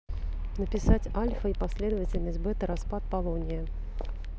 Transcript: написать альфа и последовательность бета распад полония